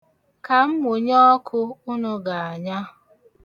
Ka m munye ọkụ unu ga-anya.